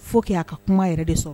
Faut que a ka kuma yɛrɛ de sɔrɔ.